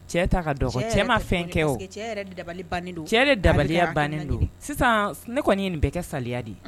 Cɛ ta ka dɔgɔ cɛ ma fɛn kɛ o cɛ dabali don cɛ de dabaliya bannen don sisan ne kɔni ye nin bɛɛ kɛ saya de ye